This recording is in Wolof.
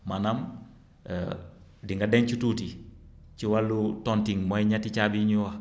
maanaam di nga denc tuuti ci wàllu tontine mooy ñetti caabi yi ñuy wax